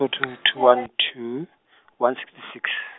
oh two two one two, one sixty six.